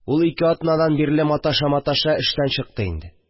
Ул ике атнадан бирле маташа-маташа эштән чыкты инде